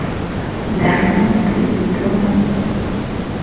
да ну ты иду